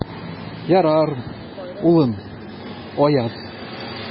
Ярар, улым, Аяз.